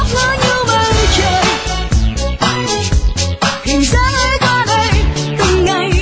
ngỡ như mây trời hình dáng ấy qua đây từng ngày